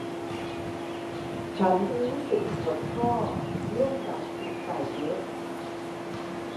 ฉันรู้สึกปวดข้อเนื่องจากกินไก่เยอะ